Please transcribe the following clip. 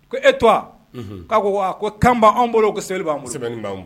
Ko e to koa ko wa ko kanba anw bolo ka selisɛbɛbɛn'